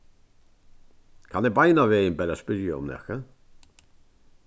kann eg beinanvegin bara spyrja um nakað